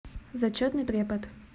зачетный препод